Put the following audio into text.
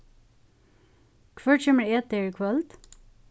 hvør kemur at eta her í kvøld